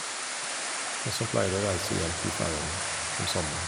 Men som pleier å reise hjem til Færøyene om sommeren.